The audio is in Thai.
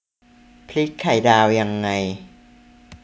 พลิกไข่ดาวยังไง